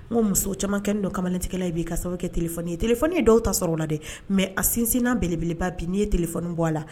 N muso caman kɛ don kamalentigɛkɛlala i'i ka sababu kɛ t ye t ye dɔw ta sɔrɔ la dɛ mɛ a sinsin n' belebeleba bi n'i ye telefoni bɔ a la